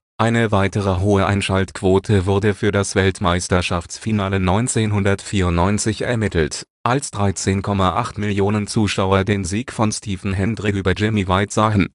Eine weitere hohe Einschaltquote wurde für das Weltmeisterschaftsfinale 1994 ermittelt, als 13,8 Millionen Zuschauer den Sieg von Stephen Hendry über Jimmy White sahen